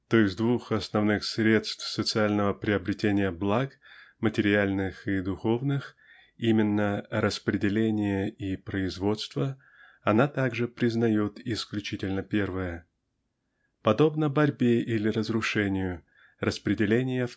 то из двух основных средств социального приобретения благ (материальных и духовных) -- именно распределения и производства--она также признает исключительно первое. Подобно борьбе или разрушению распределение